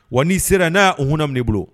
Wa n'i sera n'aununa minɛ de bolo